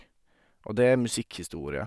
Og det er musikkhistorie.